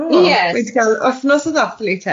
Wedi cal wthnos o ddathlu te.